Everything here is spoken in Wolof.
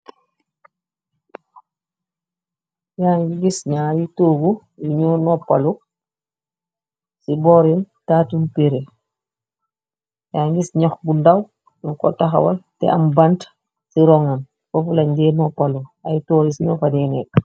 Yàangi gis ñaar yi toogu, yuñoo noppalu. Ci borin tatum pirre , ya ngis ñox bu ndàw yu ko taxawal te am bant, ci rongan fafulanjee noppalu ay toori ci nofadeenekk.